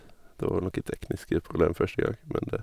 Det var noen tekniske problemer første gang, men det...